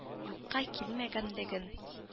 Кка килмәгәнлеген